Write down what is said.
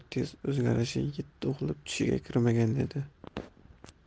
tez o'zgarishi yetti uxlab tushiga kirmagan edi